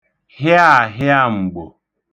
hịàhịam̀gbò